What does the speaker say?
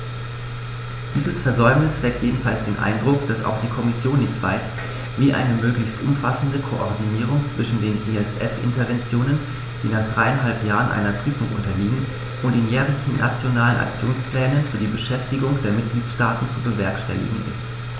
Dieses Versäumnis weckt jedenfalls den Eindruck, dass auch die Kommission nicht weiß, wie eine möglichst umfassende Koordinierung zwischen den ESF-Interventionen, die nach dreieinhalb Jahren einer Prüfung unterliegen, und den jährlichen Nationalen Aktionsplänen für die Beschäftigung der Mitgliedstaaten zu bewerkstelligen ist.